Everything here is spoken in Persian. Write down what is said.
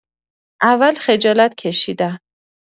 اول خجالت کشیدم.